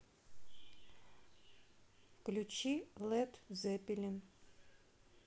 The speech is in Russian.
включи лет зепелин